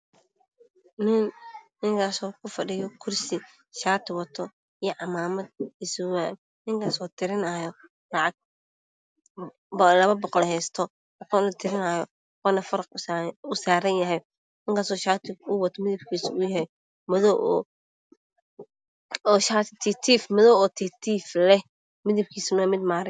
Nin ninkasoo ku fadhiyo kursi shati wado iyo cimamad iyo surwal ninkasoo tirinaayo lacag oo laba boqol haysto bolna tirinaayo boqolna farqa u sarnyhay ninkasoo shatiga uu wato midabkisa uu yahay madoow oo shati titif leh